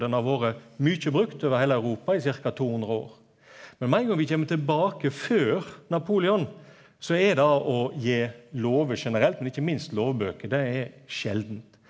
den har vore mykje brukt over heile Europa i ca. tohundre år, men med ein gong vi kjem tilbake før Napoleon så er det å gje lover generelt men ikkje minst lovbøker det er sjeldan.